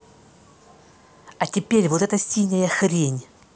а теперь вот этот синяя хрень